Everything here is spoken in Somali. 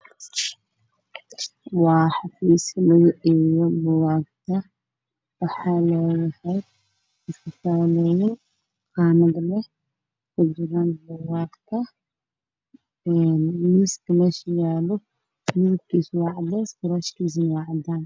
Waa maktabad waxaa yaalo buugaag